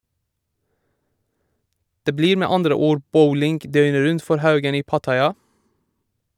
Det blir med andre ord bowling døgnet rundt for Haugen i Pattaya.